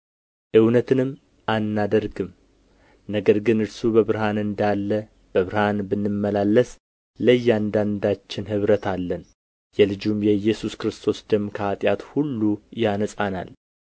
እውነትንም አናደርግም ነገር ግን እርሱ በብርሃን እንዳለ በብርሃን ብንመላለስ ለእያንዳንዳችን ኅብረት አለን የልጁም የኢየሱስ ክርስቶስ ደም ከኃጢአት ሁሉ ያነጻናል